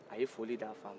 a ye foli bila fa la